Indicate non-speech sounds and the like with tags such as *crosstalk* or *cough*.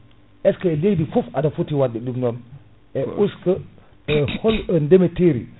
est ce que leydi foof wadde ɗum non e us* *clears throat* hol ndeemateri